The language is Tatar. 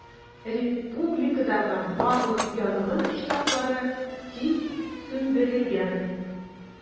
Республикадагы барлык янгын очраклары тиз сүндерелгән.